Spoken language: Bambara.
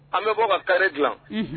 An bɛ bɔ ka kari dilan